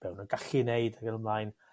be' ma' nw'n gallu neud